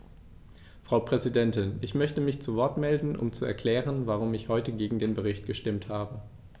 Frau Präsidentin, ich möchte mich zu Wort melden, um zu erklären, warum ich heute gegen den Bericht gestimmt habe.